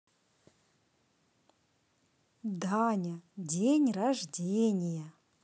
даня день рождения